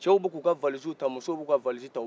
cɛw bɛ k'u ka valiziw ta musow bɛ k'u ka valiziw ta